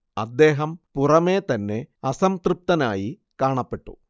അദ്ദേഹം പുറമേ തന്നെ അസംതൃപ്തനായി കാണപ്പെട്ടു